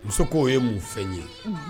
Muso ko ye mun fɛn ye